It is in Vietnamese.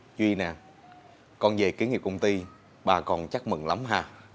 duy nè con dề kế nghệp công ty ba con chắc mừng lắm ha